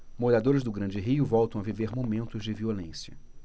moradores do grande rio voltam a viver momentos de violência